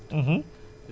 77 ba tay ah